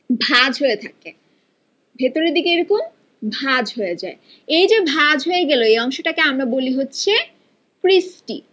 ভাঁজ হয়ে থাকে ভেতরের দিকে এরকম ভাঁজ হয়ে যায় এই যে ভাঁজ হয়ে গেল এই অংশটা কে আমরা বলি হচ্ছে ক্রিস্টি